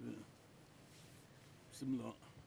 hum bisimila